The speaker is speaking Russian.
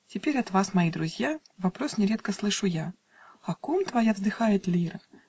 Теперь от вас, мои друзья, Вопрос нередко слышу я: "О ком твоя вздыхает лира?